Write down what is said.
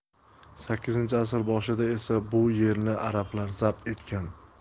sakkizinchi asr boshida esa bu yerni arablar zabt etgan